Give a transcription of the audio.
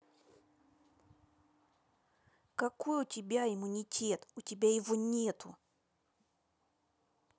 какой у тебя иммунитет у тебя его нету